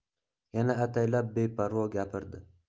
yana ataylab beparvo gapirdi